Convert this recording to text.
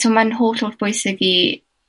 t'w' ma'n holl holl bwysig i